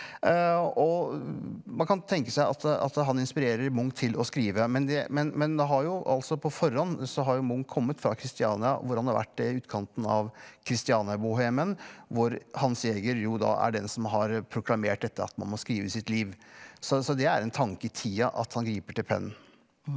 og man kan tenke seg at at han inspirerer Munch til å skrive men det men men det har jo altså på forhånd så har jo Munch kommet fra Kristiania hvor han har vært i utkanten av Kristiania-bohemen hvor Hans Jæger jo da er den som har proklamert dette at man må skrive sitt liv så så det er en tanke i tida at han griper til pennen.